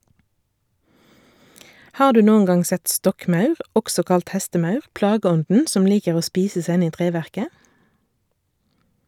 Har du noen gang sett stokkmaur, også kalt hestemaur, plageånden som liker å spise seg inn i treverket?